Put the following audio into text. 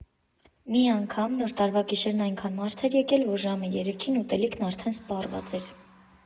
Մի անգամ Նոր տարվա գիշերն էնքան մարդ էր եկել, որ ժամը երեքին ուտելիքն արդեն սպառվել էր։